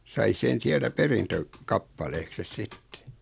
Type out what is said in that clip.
sai sen sieltä - perintökappaleeksensa sitten